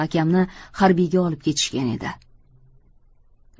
akamni harbiyga olib ketishgan edi